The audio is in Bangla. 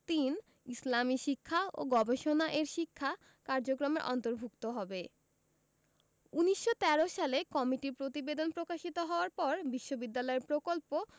৩. ইসলামী শিক্ষা ও গবেষণা এর শিক্ষা কার্যক্রমের অন্তর্ভুক্ত হবে ১৯১৩ সালে কমিটির প্রতিবেদন প্রকাশিত হওয়ার পর বিশ্ববিদ্যালয়ের প্রকল্প